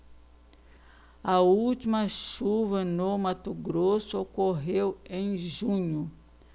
a última chuva no mato grosso ocorreu em junho